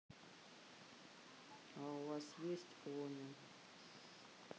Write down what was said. а у вас есть one